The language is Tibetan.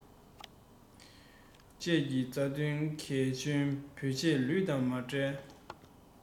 བཅས ཀྱི རྩ དོན གལ ཆེན བོད ཆས ལུས དང མ བྲལ